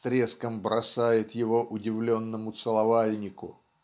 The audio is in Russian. с треском бросает его удивленному целовальнику"